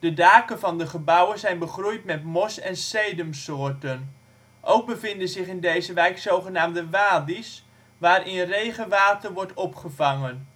De danken van de gebouwen zijn begroeid met mos en sedumsoorten. Ook bevinden zich in deze wijk zogenaamde ' wadi 's ' waarin regenwater wordt opgevangen